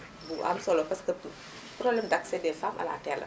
bu am solo parce que problème d' accès des femmes à la terre la